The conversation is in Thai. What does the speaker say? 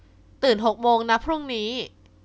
ตื่นหกโมงนะพรุ่งนี้